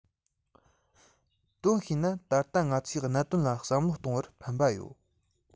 དོན ཤེས ན ད ལྟ ང ཚོས གནད དོན ལ བསམ བློ གཏོང བར ཕན པ ཡོད